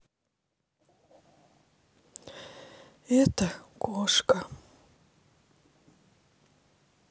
это кошка